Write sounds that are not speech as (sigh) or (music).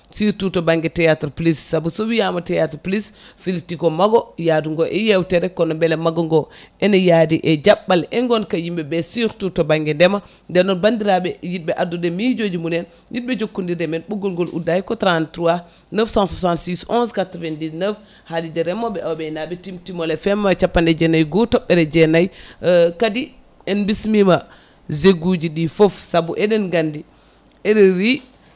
surtout to banggue théatre plus saabu so wiyama théâtre plus firti ko maago yaadugo e yewtere kono beele maago ngo ene yaadi e jaɓɓal e gonka yimɓeɓe surtout to banggue ndeema nden noon bandiraɓe yidɓe addude miijoji munen yidɓe jokkodirde men ɓoggol ngol uddaki ko 33 966 11 99 haalirde remoɓe awoɓe e aynaɓe Timtimol FM capanɗe jeenayyi e goho toɓɓere jeenayyi (hesitation) kadi en bismima zeg uji ɗi foof saabu eɗen gandi RRI